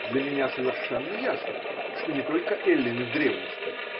Для меня совершенно ясно, что не только эллины в древности.